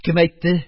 Кем әйтте,